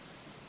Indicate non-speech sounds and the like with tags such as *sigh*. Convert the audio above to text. *hesitation*